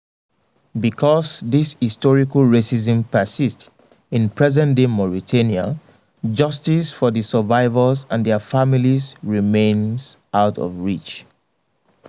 Because this historic racism persists in present-day Mauritania, justice for the survivors and their families remains out of reach.